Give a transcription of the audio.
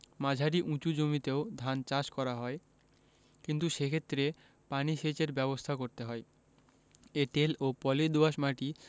মাঝারি উচু জমিতেও ধান চাষ করা হয় কিন্তু সেক্ষেত্রে পানি সেচের ব্যাবস্থা করতে হয় এঁটেল ও পলি দোআঁশ মাটি